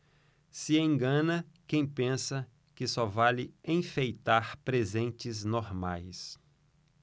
se engana quem pensa que só vale enfeitar presentes normais